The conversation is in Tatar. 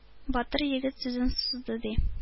Батыр егет сүзен сузды, ди: